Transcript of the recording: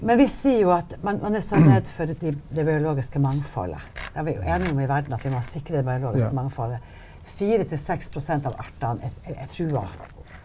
men vi sier jo at man man er så redd for det biologiske mangfoldet det er vi enige om i verden at vi må sikre det biologiske mangfoldet fire til 6% av artene er er er trua.